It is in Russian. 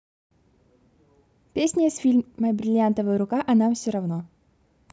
песня из фильма бриллиантовая рука а нам все равно